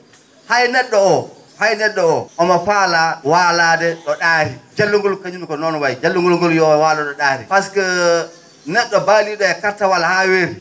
hay ne??o o hay ne??o o omo faalaa waalaade ?oo ?aati jallungol kañum ne ko noon wayi jallungol ngol yo waalo ?o ?aati pasque ne??o baalii?o e kartawal haa weeti